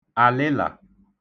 àlịlà